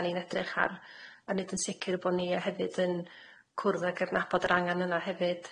'da ni'n edrych ar, a neud yn sicir bo' ni yy hefyd yn cwrdd ac adnabod yr angan yna hefyd.